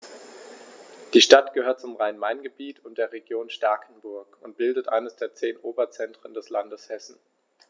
Die Stadt gehört zum Rhein-Main-Gebiet und der Region Starkenburg und bildet eines der zehn Oberzentren des Landes Hessen.